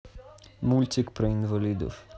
мультик про инвалидов